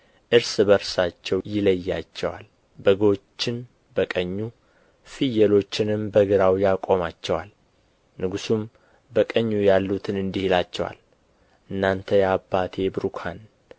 እርስ በርሳቸው ይለያቸዋል በጎችን በቀኙ ፍየሎችንም በግራው ያቆማቸዋል ንጉሡም በቀኙ ያሉትን እንዲህ ይላቸዋል እናንተ የአባቴ ቡሩካን